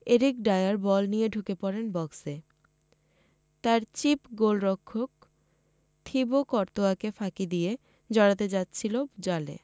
Eric Dier বল নিয়ে ঢুকে পড়েন বক্সে তাঁর চিপ গোলরক্ষক থিবো কর্তোয়াকে ফাঁকি দিয়ে জড়াতে যাচ্ছিল জালে